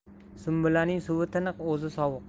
sumbulaning suvi tiniq o'zi sovuq